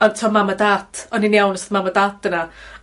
odd t'o' mam a dat o'n i'n iawn os odd mam a dat yna.